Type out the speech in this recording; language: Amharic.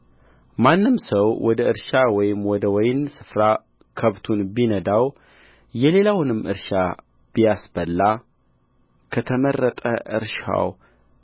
ማንም ሰው ወደ እርሻ ወይም ወደ ወይን ስፍራ ከብቱን ቢነዳው የሌላውንም እርሻ ቢያስበላ ከተመረጠ እርሻው